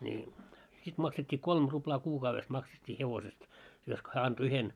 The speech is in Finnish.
niin sitten maksettiin kolme ruplaa kuukaudessa maksettiin hevosesta josko hän antoi yhden